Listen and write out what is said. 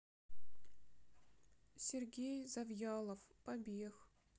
сергей завьялов побег